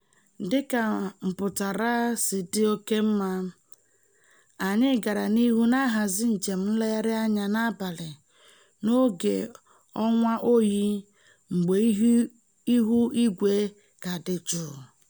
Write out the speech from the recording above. Dịka mpụtara si dị oke mma, anyị gara n'ihu na-ahazi njem nlegharị anya n'abalị n'oge ọnwa oyi mgbe ihu igwe ka dị jụụ.